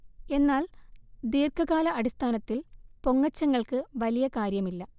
എന്നാൽ ദീർഘകാല അടിസ്ഥാനത്തിൽ പൊങ്ങച്ചങ്ങൾക്ക് വലിയ കാര്യമില്ല